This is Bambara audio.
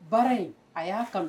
Baara in a y'a kanu